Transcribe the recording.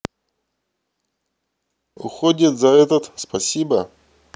уходит за этот спасибо